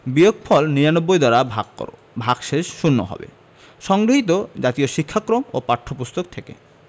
বিয়োগফল ৯৯ দ্বারা ভাগ কর ভাগশেষ শূন্য হবে সংগৃহীত জাতীয় শিক্ষাক্রম ও পাঠ্যপুস্তক থেকে